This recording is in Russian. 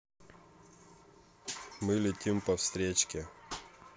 мы летим по встречке